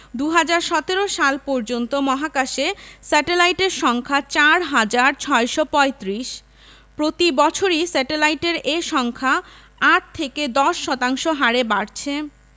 ২০১৭ সাল পর্যন্ত মহাকাশে স্যাটেলাইটের সংখ্যা ৪ হাজার ৬৩৫ প্রতিবছরই স্যাটেলাইটের এ সংখ্যা ৮ থেকে ১০ শতাংশ হারে বাড়ছে